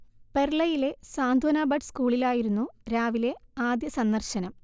പെർളയിലെ Santhwana Buds സ്കൂളിലായിരുന്നു രാവിലെ ആദ്യ സന്ദർശനം